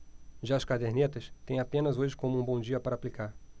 já as cadernetas têm apenas hoje como um bom dia para aplicar